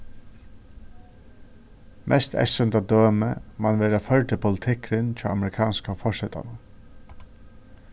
mest eyðsýnda dømi man vera førdi politikkurin hjá amerikanska forsetanum